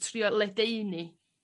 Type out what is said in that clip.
trio ledaeni